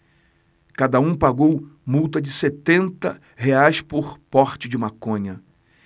cada um pagou multa de setenta reais por porte de maconha